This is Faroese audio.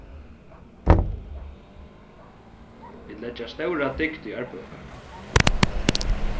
vit leggja stóra dygd í arbeiði okkara